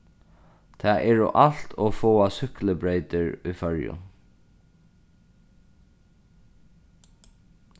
tað eru alt ov fáar súkklubreytir í føroyum